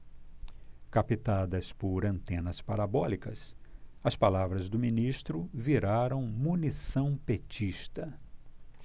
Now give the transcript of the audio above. captadas por antenas parabólicas as palavras do ministro viraram munição petista